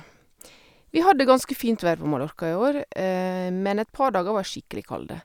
Vi hadde ganske fint vær på Mallorca i år, men et par dager var skikkelig kalde.